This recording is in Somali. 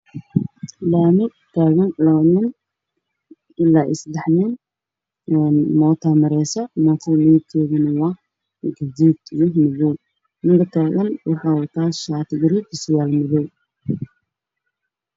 Waa laami taagan seddex nin Waxaa marayso mooto gaduud iyo madow ah, ninka taagan waxuu wataa shaati gaduud ah iyo surwaal madow ah.